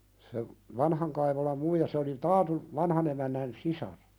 se vanhan Kaivolan muija se oli Taatun vanhan emännän sisar